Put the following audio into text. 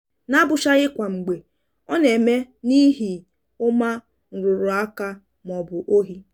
N'abụchaghị kwa mgbe, ọ na-eme n'ihi ụma nrụrụaka maọbụ ohi.